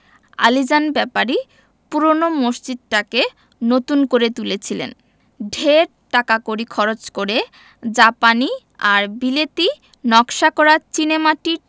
আলীজান ব্যাপারী পূরোনো মসজিদটাকে নতুন করে তুলেছিলেন ঢের টাকাকড়ি খরচ করে জাপানি আর বিলেতী নকশা করা চীনেমাটির